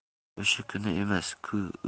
o'sha kuni emas ku